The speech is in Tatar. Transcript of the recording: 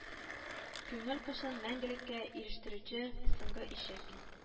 Күңел кошын мәңгелеккә ирештерүче соңгы ишек